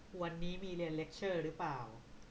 วันนี้มีเรียนเลคเชอร์รึป่าว